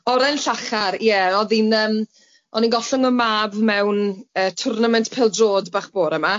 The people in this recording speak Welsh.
Oren llachar ie o'dd i'n yym o'n i'n gollwng fy mab mewn yy tournament pêl-drod bach bore 'ma...